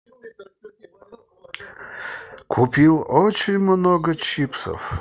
купил очень много чипсов